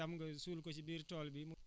voilà léegi * daénu daan boole yeneen